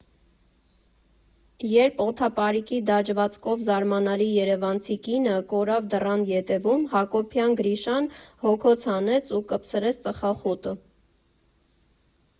Երբ օդապարիկի դաջվածքով զարմանալի երևանցի կինը կորավ դռան ետևում, Հակոբյան Գրիշան հոգոց հանեց ու կպցրեց ծխախոտը։